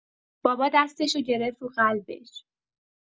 بابا دستشو گرفت رو قلبش